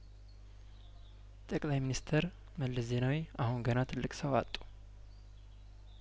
ጠቅላይ ሚኒስተር መለስ ዜናዊ አሁን ገና ትልቅ ሰው አጡ